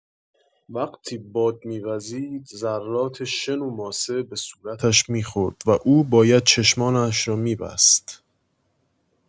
وقتی باد می‌وزید، ذرات شن و ماسه به صورتش می‌خورد و او باید چشمانش را می‌بست.